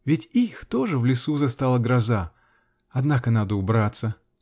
Ведь их тоже в лесу застала гроза. Однако надо убраться.